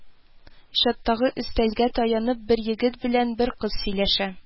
Чаттагы өстәлгә таянып, бер егет белән бер кыз сөйләшә